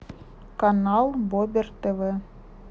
канал бобер тв